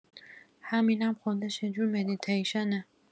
همینم خودش یه جور مدیتیشنه.